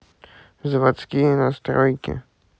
заводские настройки